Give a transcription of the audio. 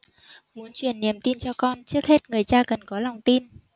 muốn truyền niềm tin cho con trước hết người cha cần có lòng tin